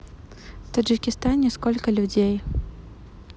в таджикистане сколько людей